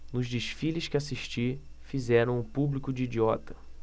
nos desfiles que assisti fizeram o público de idiota